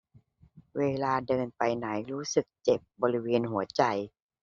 เวลาเดินไปไหนรู้สึกเจ็บบริเวณหัวใจ